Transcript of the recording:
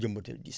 jëmbatal 10